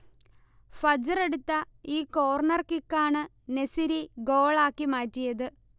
Fajr എടുത്ത ഈ corner കിക്കാണ് നെസിരി ഗോളാക്കി മാറ്റിയത്